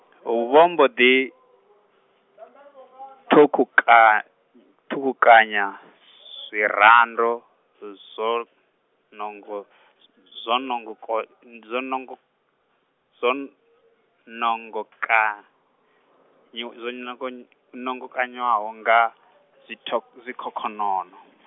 vho mbo ḓi thukhuka- ṱhukhukanya, zwirando z- zwo nongo, z- zwo nongoko n- zwo nongo, zwo nongo ka, zwo nongo zwo nongokanywaho nga zwitho- zwikhokhonono.